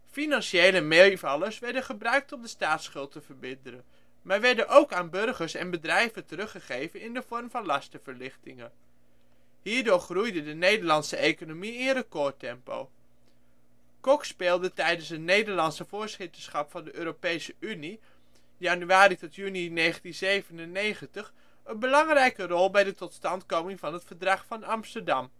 Financiële meevallers werden gebruikt om de staatsschuld te verminderen, maar werden ook aan burgers en bedrijven teruggegeven in de vorm van lastenverlichtingen. Hierdoor groeide de Nederlandse economie in recordtempo. Kok speelde tijdens het Nederlandse voorzitterschap van de Europese Unie, januari-juni 1997, een belangrijke rol bij de totstandkoming van het Verdrag van Amsterdam